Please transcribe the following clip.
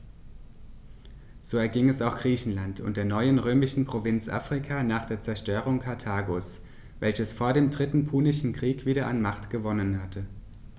So erging es auch Griechenland und der neuen römischen Provinz Afrika nach der Zerstörung Karthagos, welches vor dem Dritten Punischen Krieg wieder an Macht gewonnen hatte.